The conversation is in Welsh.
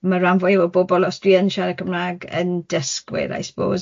ma' ran fwyaf o bobl os dwi yn siarad Cymraeg yn dysgwyr I suppose.